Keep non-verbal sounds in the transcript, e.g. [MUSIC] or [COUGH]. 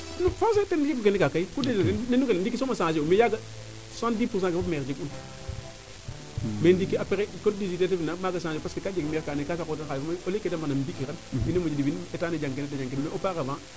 force ten jedg kene kaa kay [UNINTELLIGIBLE] ndiiki soom a changer u nda yaaga 70 pourcent ke fop maire jeg un mais ndiki code [UNINTELLIGIBLE] maga changer parce que kaa jeg maire kaa ando naye ka saxana den xalis mayu au ;fra lieu kede mbarna mbi mbi kiran [UNINTELLIGIBLE] Etat jang kene te jang kene mais au par avant